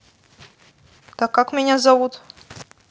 так как меня зовут